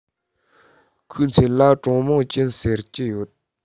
ཁོའི མཚན ལ ཀྲང མིང ཅུན ཟེར གྱི ཡོད